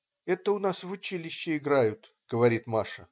"Это у нас в училище играют",- говорит Маша.